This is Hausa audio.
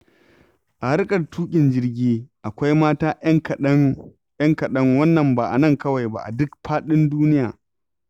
A harkar tuƙin jirgi akwai mata 'yan kaɗan, 'yan kaɗan, wannan ba a nan kawai ba, a duk faɗin duniya.